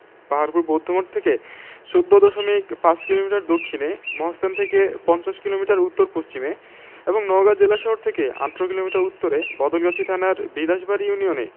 পাহাড়পুর বৌদ্ধমঠ থেকে ১৪দশমিক ৫ কিলোমিটার দক্ষিণে মহাস্থান থেকে পঞ্চাশ কিলোমিটার উত্তর পশ্চিমে এবং নওগাঁ জেলাশহর থেকে ১৮ কিলোমিটার উত্তরে বদলগাছি থানার বিলাসবাড়ি ইউনিয়নে